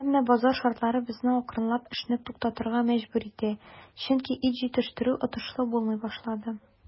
Әмма базар шартлары безне акрынлап эшне туктатырга мәҗбүр итә, чөнки ит җитештерү отышлы булмый башлады.